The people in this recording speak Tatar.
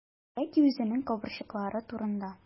Яки үзенең кабырчрыклары турында.